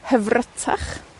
hyfrytach.